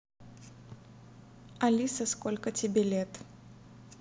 алиса сколько тебе лет